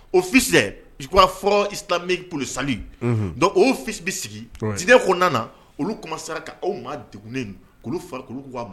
Office dɛ je crois fond islamique pour le salut . Unhun. donc o office bɛ sigi wè diinɛ kɔnɔna na olu commencé ra ka o maa degunnenw 'olu fana